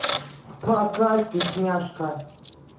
пока стесняшка